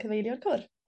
...cyfeirio'r côr.